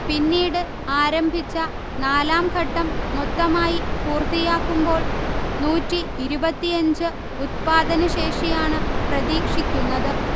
പിന്നീട് ആരംഭിച്ച നാലാം ഘട്ടം മൊത്തമായി പൂർത്തിയാക്കുമ്പോൾ നൂറ്റി ഇരുപത്തിയഞ്ച് ഉത്പാദന ശേഷിയാണ് പ്രതീക്ഷിക്കുന്നത്